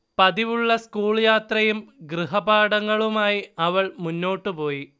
പതിവുള്ള school യാത്രയും ഗൃഹപാഠങ്ങളുമായി അവൾ മുന്നോട്ടുപോയി